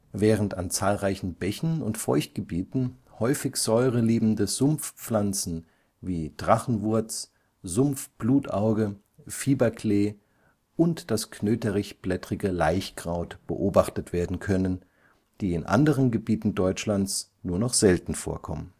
während an zahlreichen Bächen und Feuchtgebieten häufig säureliebende Sumpfpflanzen wie Drachenwurz (Sumpfcalla), Sumpf-Blutauge, Fieberklee und das Knöterichblättrige Laichkraut beobachtet werden können, die in anderen Gebieten Deutschlands nur noch selten vorkommen